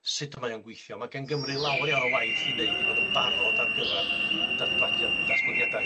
sut mae o'n gweithio, ma' gen Gymru lawer iawn o waith i wneud i fod yn barod ar gyfar y datblagiad- datblygiadau